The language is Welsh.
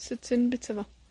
Sut ti'n bita fo?